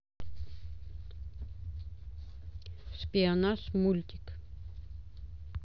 шпионаж мультик